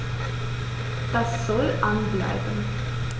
Das soll an bleiben.